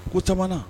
Ko caman